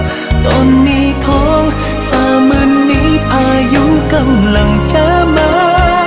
giờ mây đen quyện thành bão giông tố đang dần kéo đến